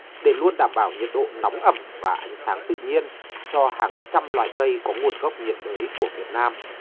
để luôn đảm bảo nhiệt độ nóng ẩm và ánh sáng tự nhiên cho hàng trăm loài cây có nguồn gốc nhiệt đới của việt nam